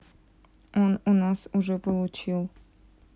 он у нас уже получил